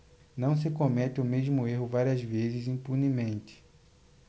não se comete o mesmo erro várias vezes impunemente